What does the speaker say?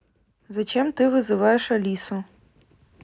зачем ты вызываешь алису